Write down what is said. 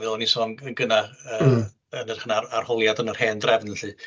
Fel o'n i'n sôn yn gynna yy yn arholiad yn yr hen drefn 'lly.